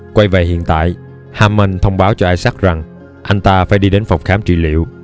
quay lại về hiện tại hammond thông báo cho isaac rằng anh ta phải đi đến phòng khám trị liệu